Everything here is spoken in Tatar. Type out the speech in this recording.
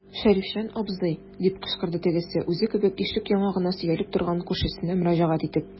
Шәрифҗан абзый, - дип кычкырды тегесе, үзе кебек ишек яңагына сөялеп торган күршесенә мөрәҗәгать итеп.